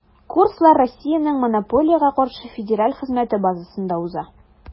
Курслар Россиянең Монополиягә каршы федераль хезмәте базасында уза.